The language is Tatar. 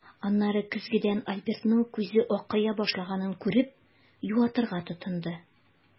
Аннары көзгедән Альбертның күзе акая башлаганын күреп, юатырга тотынды.